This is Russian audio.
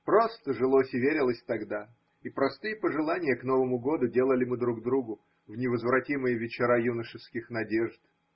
Просто жилось и верилось тогда, и простые пожелания к Новому году делали мы друг другу в невозвратимые вечера юношеских надежд.